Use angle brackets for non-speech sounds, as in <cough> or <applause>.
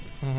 <hesitation> <hesitation>